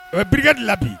O be brigade la bi